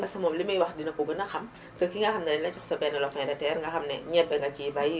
parce que moom li muy wax dina ko gën a xam que ki nga xam ne dañulay jox sa benn lopin de terre nga xam ne ñebe nga ciy bay